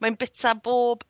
Mae'n byta bob